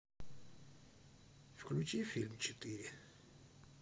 включи фильм четыре